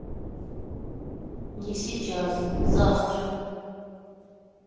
не сейчас завтра